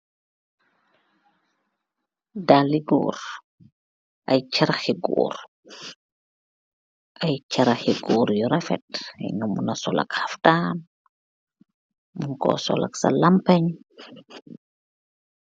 dali goor yuu rafet.